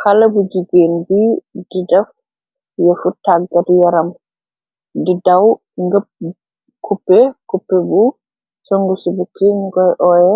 xala bu jigéen bi di daf yefu tàggat yaram di daw ngëb kuppe kuppe bu sëngu ci bu crin goy oye